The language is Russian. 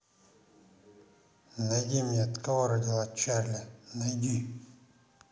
найди мне от кого родила чарли найди